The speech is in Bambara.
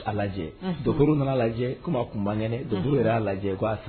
Nana lajɛ yɛrɛ'a lajɛ